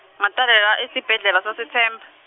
ngatalelwa esibhedlela saseThemba.